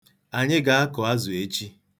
Anyị ga-akụ azụ echi.